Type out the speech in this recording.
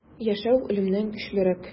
Яшәү үлемнән көчлерәк.